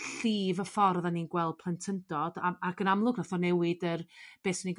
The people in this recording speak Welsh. llif y ffordd o ni'n gweld plentyndod am ac yn amlwg nath o newid yr beth 'swn i